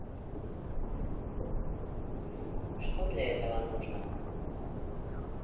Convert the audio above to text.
что для этого нужно